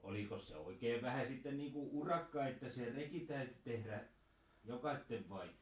olikos se oikein vähän sitten niin kuin urakka että se reki täytyi tehdä jokaisen vai